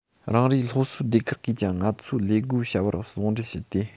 རང རེའི སློབ གསོ སྡེ ཁག གིས ཀྱང ང ཚོའི ལས སྒོའི བྱ བར ཟུང འབྲེལ བྱས ཏེ